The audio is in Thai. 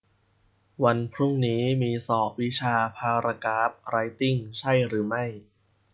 วันพรุ่งนี้มีสอบวิชาพารากราฟไรท์ติ้งใช่หรือไม่